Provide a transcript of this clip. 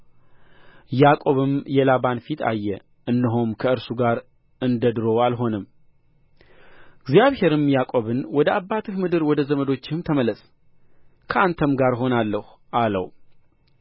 ያዕቆብም የላባን ፊት አየ እነሆም ከእርሱ ጋር እንደ ዱሮው አልሆነም እግዚአብሔርም ያዕቆብን ወደ አባትህ ምድር ወደ ዘመዶችህም ተመለስ ከአንተም ጋር እሆናለሁ አለው